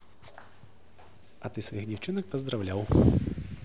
а ты своих девчонок поздравлял